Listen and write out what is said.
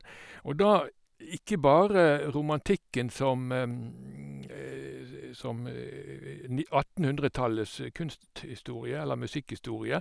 Og da ikke bare romantikken som som ni attenhundretallets kunsthistorie eller musikkhistorie.